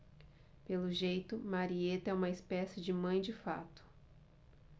pelo jeito marieta é uma espécie de mãe de fato